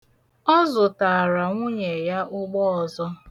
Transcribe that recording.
Ọ zutaara nwunye ya ụgbọ ọzọ.